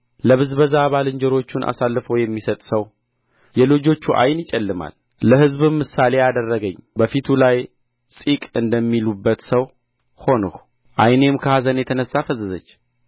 ለብዝበዛ ባልንጀሮቹን አሳልፎ የሚሰጥ ሰው የልጆቹ ዓይን ይጨልማል ለሕዝብም ምሳሌ አደረገኝ በፊቱ ላይ ጺቅ እንደሚሉበት ሰው ሆንሁ ዓይኔም ከኀዘን የተነሣ ፈዘዘች